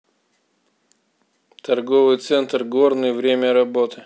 торговый центр горный время работы